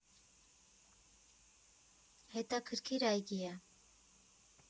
Հետաքրքիր այգի ա։